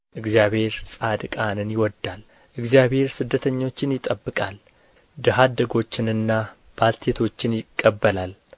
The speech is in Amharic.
እግዚአብሔር ዕውሮችን ጥበበኞች ያደርጋቸዋል እግዚአብሔር ጻድቃንን ይወድዳል እግዚአብሔር ስደተኞችን ይጠብቃል ድሀ አደጎችንና ባልቴቶችን ይቀበላል